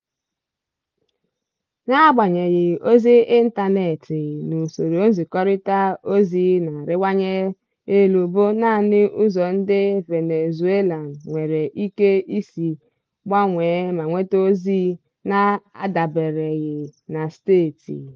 N'agbanyeghị ozi ịntanetị na usoro nzikọrịta ozi na-arịwanye elu bụ naanị ụzọ ndị Venezuelan nwere ike isi gbanwee ma nweta ozi na-adabereghị na steeti.